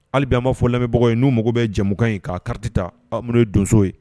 Halibi an b' fɔ lamɛnmbagaw ye n'u mago bɛ jakan in k'a karitita hammu ye donso ye